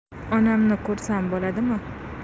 onamni ko'rsam bo'ladimi